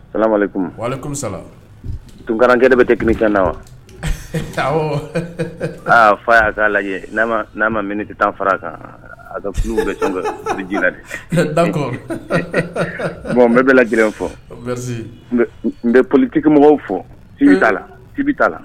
Tunkarakarakɛ bɛ tɛ kabinitan na wa taa aa fa y'a k'a lajɛ n'a ma m tɛ taa fara a kan a ka furu bɛ tu ji la de n bɛ bɛ la g gɛlɛn fɔ n bɛ politigikimɔgɔw fɔ ci bɛ t'a la cibi taa la